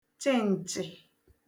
chịǹchị̀